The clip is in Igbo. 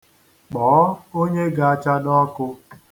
Kpọọ onye ga-achado ọkụ.